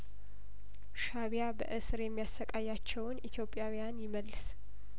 ሻእቢያ በእስር የሚያሰቃያቸውን ኢትዮጵያውያን ይመልስ